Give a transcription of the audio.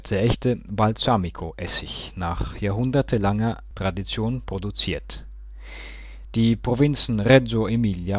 echte Balsamicoessig nach jahrhundertealter Tradition produziert. Die Provinzen Reggio Emilia